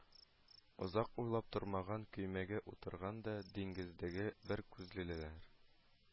Озак уйлап тормаган, көймәгә утырган да диңгездәге бер күзлеләр